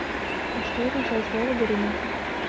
а что такое означает слово горемыка